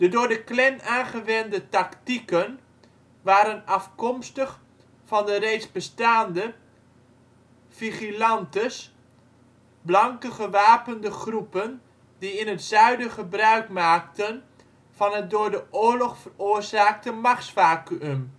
door de Klan aangewende tactieken waren afkomstig van de reeds bestaande vigilantes (blanke gewapende groepen die in het Zuiden gebruik maakten van het door de oorlog veroorzaakte machtsvacuüm